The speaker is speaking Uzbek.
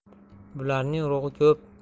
bularning urug'i ko'p